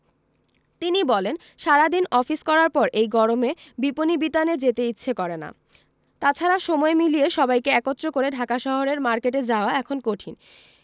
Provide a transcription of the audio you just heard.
তিনি বলেন সারা দিন অফিস করার পর এই গরমে বিপণিবিতানে যেতে ইচ্ছে করে না তা ছাড়া সময় মিলিয়ে সবাইকে একত্র করে ঢাকা শহরের মার্কেটে যাওয়া এখন কঠিন